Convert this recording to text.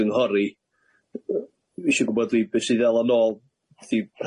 ymgynghori yy isho gwbod dwi be' sy ddal o nôl dydi